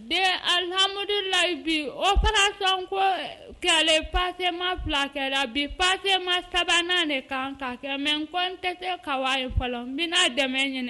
Den ha mamudu layi bi o fana sɔn ko kɛlɛ pasema filakɛ bi pasema sabanan de kan ka kɛmɛ kɔn tɛ se ka fɔlɔ n bi dɛmɛ ɲini